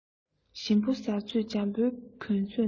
ཞིམ པོའི ཟ ཚོད འཇམ པོའི གྱོན ཚོད རྣམས